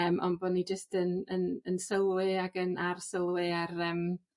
yym on' bo' ni jyst yn yn yn sylwi ag yn arsylwi ar yym